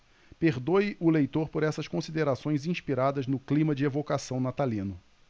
perdoe o leitor por essas considerações inspiradas no clima de evocação natalino